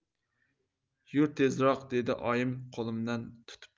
yur tezroq dedi oyim qo'limdan tutib